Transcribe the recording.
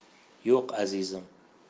yo'q azizim